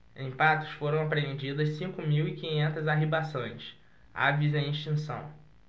em patos foram apreendidas cinco mil e quinhentas arribaçãs aves em extinção